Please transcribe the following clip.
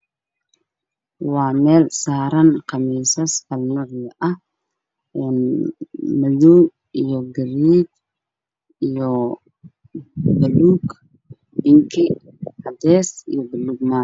Waa meel saaran qamiisyo kale duwan sida madow, garee, bingi iyo cadaan.